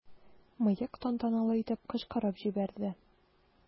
"мыек" тантаналы итеп кычкырып җибәрде.